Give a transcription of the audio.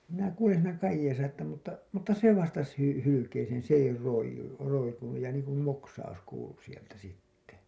ja minä kuulen siinä kajeessa että mutta mutta se vastasi - hylkeeseen se ei roiu roikunut ja niin kuin moksaus kuului sieltä sitten